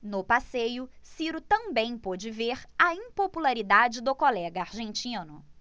no passeio ciro também pôde ver a impopularidade do colega argentino